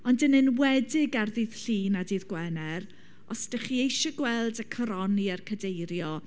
Ond yn enwedig ar ddydd Llun a dydd Gwener, os dach chi eisiau gweld y coroni a'r cadeirio.